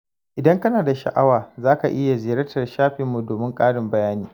Idan kana da sha'awa, za ka iya ziyartar shafinmu domin ƙarin bayani.